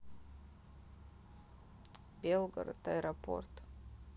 белгород аэропорт